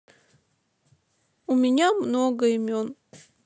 у меня много имен